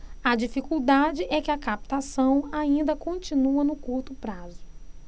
a dificuldade é que a captação ainda continua no curto prazo